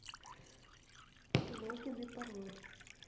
логин и пароль